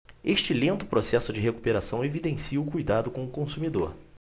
este lento processo de recuperação evidencia o cuidado com o consumidor